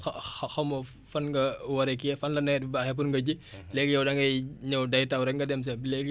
xa xa xamoo fan nga war a kiiyee fan la nawet bi baaxee pour nga ji léegi yow dangay ñëw day taw rek nga dem sa léegi